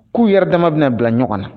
Ku yɛrɛ dama bi na bila ɲɔgɔn na